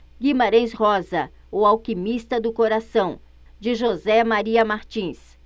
guimarães rosa o alquimista do coração de josé maria martins